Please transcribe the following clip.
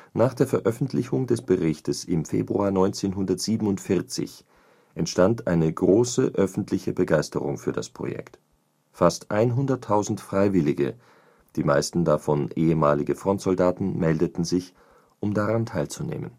Nach der Veröffentlichung des Berichtes im Februar 1947 entstand eine große öffentliche Begeisterung für das Projekt, fast 100.000 Freiwillige, die meisten davon ehemalige Frontsoldaten, meldeten sich, um daran teilzunehmen